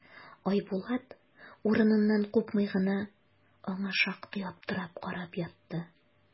Айбулат, урыныннан купмый гына, аңа шактый аптырап карап ятты.